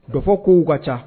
Dɔ k'u ka ca